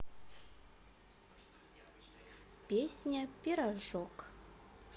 песня пирожок